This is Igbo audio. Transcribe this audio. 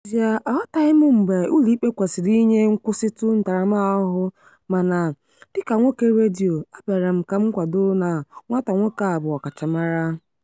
N'ezie aghọtaghị m mgbe ụlọikpe kwesịrị inye nkwụsịtụ ntaramahụhụ mana, dịka nwoke redio, a bịara m ka m kwado na nwata nwoke a bụ ọkachamara."